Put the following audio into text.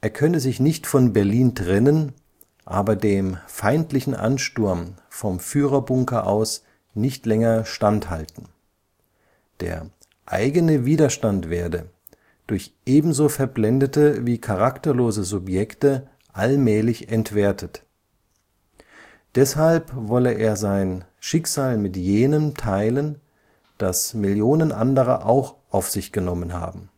könne sich nicht von Berlin trennen, aber dem „ feindlichen Ansturm “vom Führerbunker aus nicht länger „ standhalten “. Der „ eigene Widerstand “werde „ durch ebenso verblendete wie charakterlose Subjekte allmählich entwertet “. Deshalb wolle er sein „ Schicksal mit jenem teilen, das Millionen anderer auch auf sich genommen haben